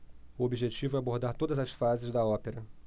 o objetivo é abordar todas as fases da ópera